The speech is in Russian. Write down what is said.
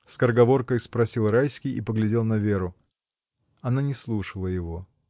— скороговоркой спросил Райский и поглядел на Веру. Она не слушала его.